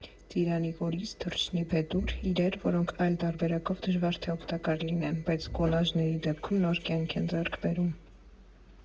Ծիրանի կորիզ, թռչնի փետուր՝ իրեր, որոնք այլ տարբերակով դժվար թե օգտակար լինեն, բայց կոլաժների դեպքում նոր կյանք են ձեռք բերում։